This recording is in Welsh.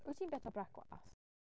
Wyt ti'n byta brecwast?